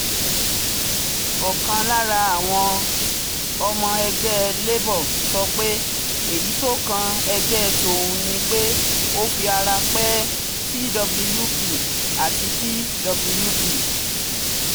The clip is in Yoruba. Ọ̀kan lára àwọn ọmọ ẹgbẹ́ Labour sọpé èyí ti o kan ẹgbẹ t'òhun nipé “ó fi ara pè Twp àti Pwp.”